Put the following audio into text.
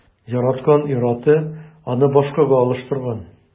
Яраткан ир-аты аны башкага алыштырган.